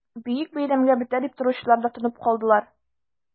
Бөек бәйрәмгә бетә дип торучылар да тынып калдылар...